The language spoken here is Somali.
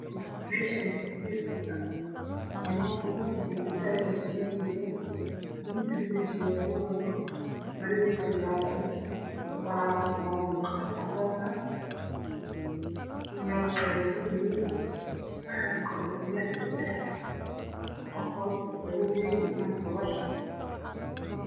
Meshaan waa meel hool ah niman badan iyo gabdho ayaa isugu imadeen miiska meesha yaal marsara waa mara jaal ah waxaa dul saran warqad cadaan iyo qeebiso madow waxaa korfadhiyo sadx qofood lapa wiil iyo hak gabar